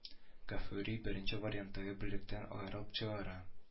Гафури беренче варианттагы бүлектән аерып чыгара